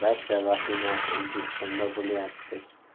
barcha vahimasi o'zbekistonda bo'lyapti